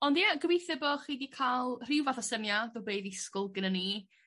Ond ia gobeithio bo' chi 'di ca'l rhyw fath o syniad o be i ddisgwyl gynnon ni.